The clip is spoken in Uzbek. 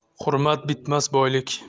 hurmat bitmas boylik